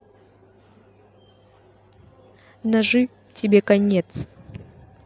ножи тебе конец